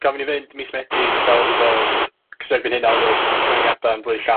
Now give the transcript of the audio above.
gafon ni fynd mis Medi, fel odd 'i fod, chos erbyn hynna odd y cyfyngiada'n fwy llac